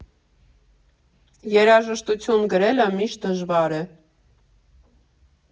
Երաժշտություն գրելը միշտ դժվար է։